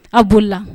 A bolila